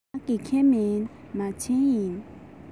ང དགེ རྒན མིན མ བྱན ཡིན